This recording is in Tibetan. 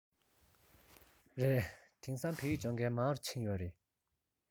རེད དེང སང སྦྱོང མཁན མང དུ ཕྱིན ཡོད རེད